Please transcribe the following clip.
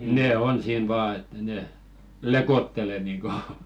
ne on siinä vain että ne lekottelee niin kuin